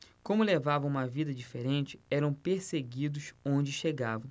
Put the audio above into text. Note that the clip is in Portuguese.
como levavam uma vida diferente eram perseguidos onde chegavam